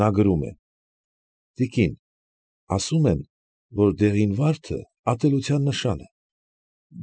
Նա գրում է. ֊ Տիկին, ասում են, որ դեղին, վարդը ատելության նշան է։